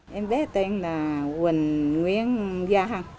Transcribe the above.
em bé tên là huỳnh nguyễn gia hân